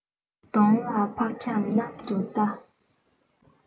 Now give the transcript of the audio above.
དོང ལ འཕངས ཀྱང གནམ དུ བལྟ